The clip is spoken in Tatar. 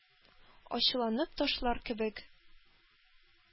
Ачуланып ташлар кебек.